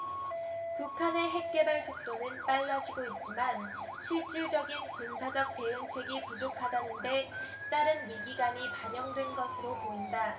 북한의 핵개발 속도는 빨라지고 있지만 실질적인 군사적 대응책이 부족하다는 데 따른 위기감이 반영된 것으로 보인다